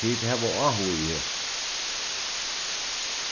tit hava áhuga í hesum